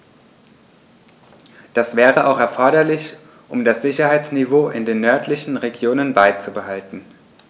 Das wäre auch erforderlich, um das Sicherheitsniveau in den nördlichen Regionen beizubehalten.